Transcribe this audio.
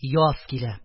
Яз килә.